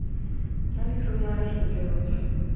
алиса знает что делать